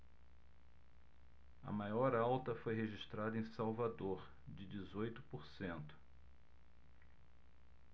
a maior alta foi registrada em salvador de dezoito por cento